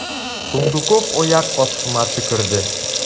Сундуков аяк астына төкерде.